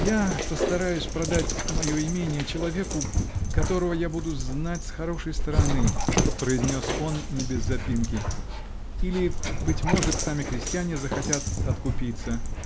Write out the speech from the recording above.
-- Я постараюсь продать мое имение человеку, которого я буду знать с хорошей стороны, -- произнес он не без заминки, -- или, быть может, сами крестьяне захотят откупиться.